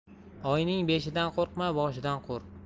oyning beshidan qo'rqma boshidan qo'rq